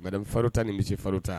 Ba fari ta ni misi farikolo ta